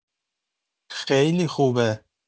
خیلی خوبه